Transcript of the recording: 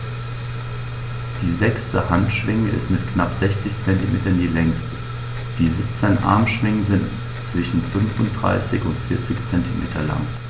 Die sechste Handschwinge ist mit knapp 60 cm die längste. Die 17 Armschwingen sind zwischen 35 und 40 cm lang.